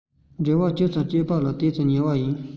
འབྲེལ བ ཇི ཙམ བསྐྱོད ན དེ ཙམ ཉེ བ ཡིན